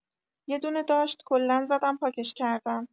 یدونه داشت کلا زدم پاکش کردم